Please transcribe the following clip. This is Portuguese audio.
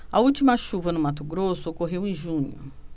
a última chuva no mato grosso ocorreu em junho